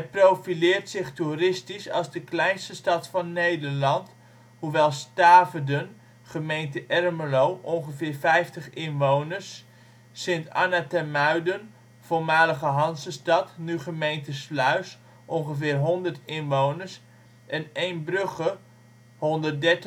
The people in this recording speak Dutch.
profileert zich toeristisch als de kleinste stad van Nederland, hoewel Staverden (gem. Ermelo, ± 50 inwoners), Sint Anna ter Muiden (voormalige Hanzestad, nu gemeente Sluis, ± 100 inwoners) en Eembrugge (130